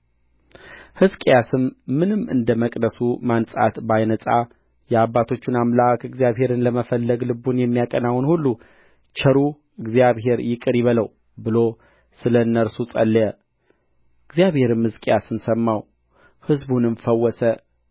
ሕዝቅያስም ምንም እንደ መቅደሱ ማንጻት ባይነጻ የአባቶቹን አምላክ እግዚአብሔርን ለመፈለግ ልቡን የሚያቀናውን ሁሉ ቸሩ እግዚአብሔር ይቅር ይበለው ብሎ ስለ እነርሱ ጸለየ እግዚአብሔርም ሕዝቅያስን ሰማው ሕዝቡንም ፈወሰ